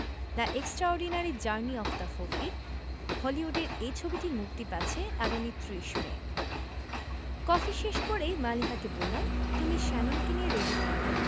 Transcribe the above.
the extraordinary journey of the Fakir হলিউডের এই ছবিটি মুক্তি পাচ্ছে আগামী ৩০ মে কফি শেষ করেই মালিহাকে বললাম তুমি শ্যাননকে নিয়ে রেডি থেকো